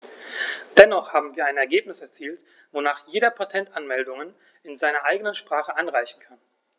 Dennoch haben wir ein Ergebnis erzielt, wonach jeder Patentanmeldungen in seiner eigenen Sprache einreichen kann.